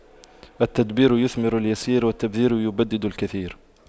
التدبير يثمر اليسير والتبذير يبدد الكثير